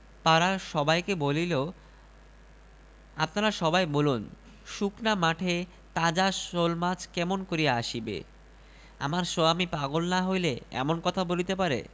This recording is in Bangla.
রহিম বাধা দিতে চাহে কিন্তু কার বাধা কে মানে রহিম রাগে শোষাইতে লাগিল তখন একজন বলিল উহাকে আজই পাগলা গারদে লইয়া যাও নতুবা রাগের মাথায় কাকে খুন করিয়া ফেলে